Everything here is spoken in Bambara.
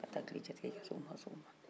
ni kunko kɔnin bɛ yen an bɛ tilen i ka so